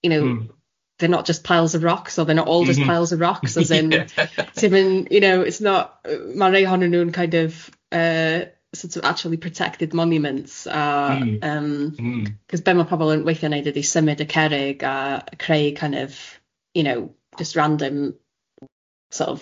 you know... Mm. ...they're not just piles of rocks... M-hm. ...so they're not all just piles of rocks as in ti'm yn you know it's not yy ma' rei ohonyn nhw'n kind of yy sort of actually protected monuments... Mm. ...a yym because be ma' pobl yn weithie'n wneud ydi symud y cerrig a creu kind of you know just random sort of